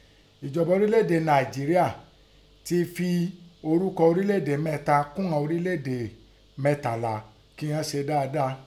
Ẹ̀jọba ọrílẹ̀ èdè Nàìjeríà tẹ fi ọrukọ ọrílẹ̀ èdè mẹ́ta kún ighọn ọrílẹ̀ èdè mẹ́tàlá kíghọ́n se dáadáa.